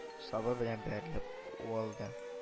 Сабы белән бәрелеп уалды